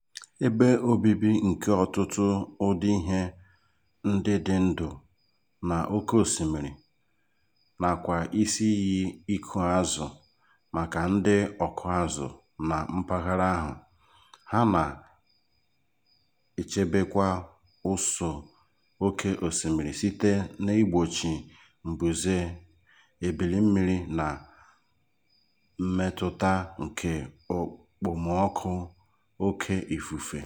Ebe obibi nke ọtụtụ ụdị ihe ndị dị ndụ n'oké osimiri (nakwa isi iyi ịkụ azụ maka ndị ọkụ azụ na mpaghara ahụ), ha na-echebekwa ụsọ oké osimiri site n'igbochi mbuze ebili mmiri na mmetụta nke okpomọọkụ oke ifufe.